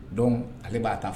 Don ale b'a ta fɔ